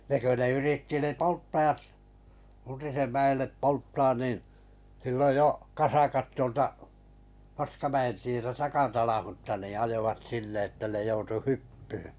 ne kun ne yritti ne polttajat Untisen mäelle polttamaan niin silloin jo kasakat tuolta Paskamäen tietä takatanhutta niin ajoivat sinne että ne joutui hyppyyn